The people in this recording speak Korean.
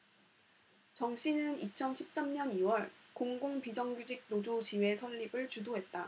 정씨는 이천 십 삼 년 이 월 공공비정규직 노조 지회 설립을 주도했다